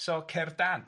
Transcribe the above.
so cerdd dant